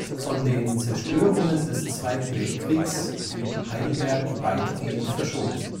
Von den Zerstörungen des Zweiten Weltkriegs blieb Heidelberg weitgehend verschont